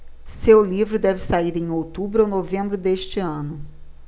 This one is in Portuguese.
seu livro deve sair em outubro ou novembro deste ano